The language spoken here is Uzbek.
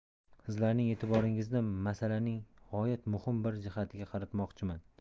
sizlarning e'tiboringizni masalaning g'oyat muhim bir jihatiga qaratmoqchiman